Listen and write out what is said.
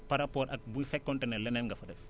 par rapport ak bu fekkonte ne leneen nga fa def